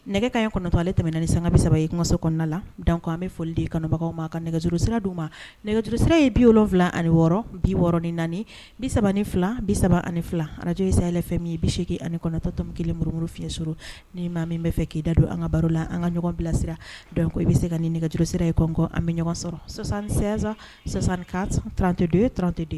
Nɛgɛ ka in kɔnɔtɔ ale tɛmɛnani sanga saba ye i kɔso kɔnɔna la da ko an bɛ foli kɔnɔbagaw ma ka nɛgɛjuru sira' u ma nɛgɛjuru sira ye bi wolonwula ani wɔɔrɔ bi wɔɔrɔ ni naani bi3 ni fila bi3 ani fila araj sayay yɛrɛ fɛ min i bi seegin ani kɔnɔtɔm kelen muru fi sɔrɔ ni maa min bɛ fɛ k'i da don an ka baro la an ka ɲɔgɔn bilasira don ko i bɛ se ka nɛgɛjurusira ye an bɛ ɲɔgɔn sɔrɔ sɔsansan sɔsan ka tte don ye tte de